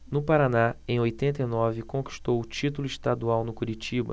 no paraná em oitenta e nove conquistou o título estadual no curitiba